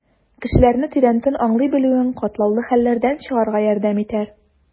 Кешеләрне тирәнтен аңлый белүең катлаулы хәлләрдән чыгарга ярдәм итәр.